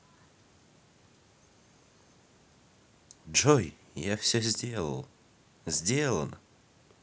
джой я все сделал сделано